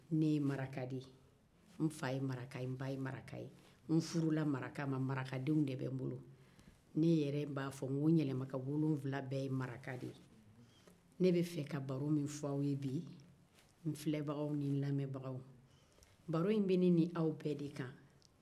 ne ye maraka de ye n fa ye maraka ye n ba ye maraka n furula maraka ma marakadenw de bɛ n bolo ne yɛrɛ b'o ko n yɛlɛmako wolowula bɛɛ ye maraka ye ne bɛ fɛ ka baro min fɔ aw ye bi n filɛbaga ni n lamɛnbagaw baro in bɛ ne ni aw bɛɛ de kan